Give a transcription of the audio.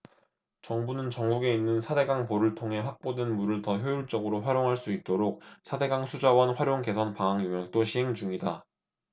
정부는 전국에 있는 사 대 강 보를 통해 확보된 물을 더 효율적으로 활용할 수 있도록 사 대 강 수자원 활용 개선 방안 용역도 시행 중이다